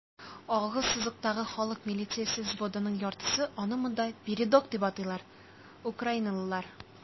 Алгы сызыктагы халык милициясе взводының яртысы (аны монда "передок" дип атыйлар) - украиналылар.